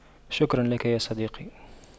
شكرا لك يا صديقي